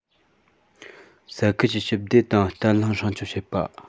ས ཁུལ གྱི ཞི བདེ དང བརྟན ལྷིང སྲུང སྐྱོང བྱེད པ